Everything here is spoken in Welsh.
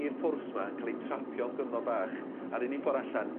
i'r pwrs 'ma yn ca'l 'u trapio'n gyfnod bach a'r unig ffor allan